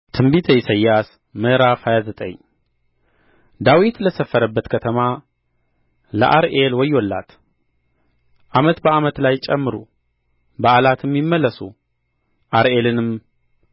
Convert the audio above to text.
ትንቢተ ኢሳይያስ ምዕራፍ ሃያ ዘጠኝ ዳዊት ለሰፈረባት ከተማ ለአርኤል ወዮላት ዓመት በዓመት ላይ ጨምሩ በዓላትም ይመለሱ አርኤልንም